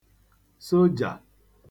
sojà